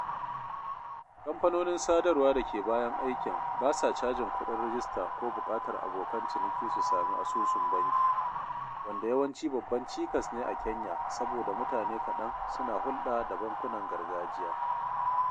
Kamfanonin sadarwa da ke bayan aikin basa cajin kuɗin rajista ko buƙatar abokan ciniki su sami asusun banki, wanda yawanci babban cikas ne a Kenya saboda mutane kaɗan suna hulɗa da bankunan gargajiya.